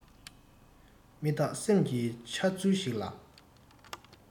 མ བརྟགས སེམས ཀྱི འཆར ཚུལ ཞིག ལ